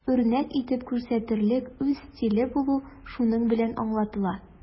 Үрнәк итеп күрсәтерлек үз стиле булу шуның белән дә аңлатыла.